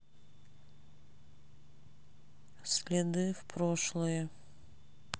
следы в прошлое